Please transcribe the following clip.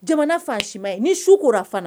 Jamana faasi ma ye ni su kora fana